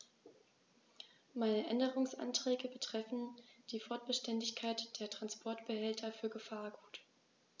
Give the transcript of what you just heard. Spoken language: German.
Meine Änderungsanträge betreffen die Frostbeständigkeit der Transportbehälter für Gefahrgut.